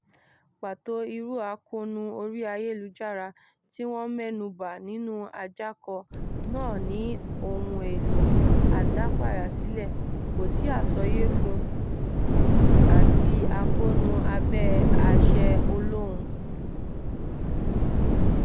Pàtó irú àkóónú orí ayélujára tí wọ́n mẹ́nubà nínú àjákọ náà ni "ohun èlò adápayàsílẹ̀" (kò sí àsọyé fún un) àti àkóónú abẹ́ àṣẹ olóhun.